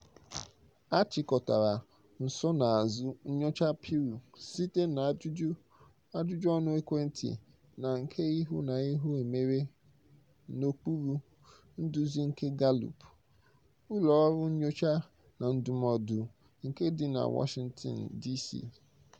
A chịkọtara nsonaazụ nyocha Pew site na ajụjụ ọnụ ekwentị na nke ihu na ihu emere n'okpuru nduzi nke Gallup — ụlọ ọrụ nyocha na ndụmọdụ nke dị na Washington, DC.